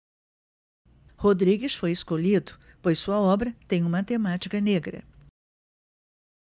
rodrigues foi escolhido pois sua obra tem uma temática negra